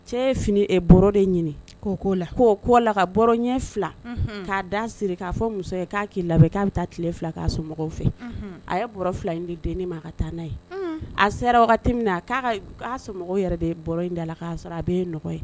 Cɛ fini e de ɲini k''o la' la ka ɲɛ fila k'a da siri k'a fɔ muso k'a k'i labɛn k'a bɛ taa tile fila k'a sɔrɔ mɔgɔw fɛ a ye fila in de den ma ka taa n'a ye a sera wagati min na k''a sɔrɔ mɔgɔw yɛrɛ de in da la k'a sɔrɔ a bɛ ye n nɔgɔya ye